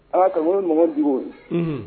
Aa ka nɔgɔ dugu o ye